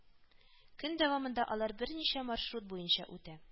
Көн дәвамында алар берничә маршрут буенча үтә